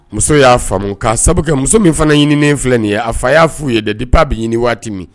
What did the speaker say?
Muso y'a faamumu k kaa sababu kɛ muso min fana ɲini filɛ nin ye a fa y' f u ye de dipa bɛ ɲini waati min